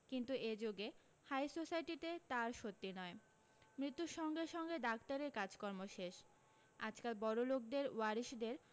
কিন্তু এ যুগে হাই সোসাইটিতে তা আর সত্যি নয় মৃত্যুর সঙ্গে সঙ্গে ডাক্তারের কাজকর্ম শেষ আজকাল বড়লোকদের ওয়ারিসদের